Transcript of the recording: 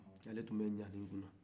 ale tunbɛ ɲani kunna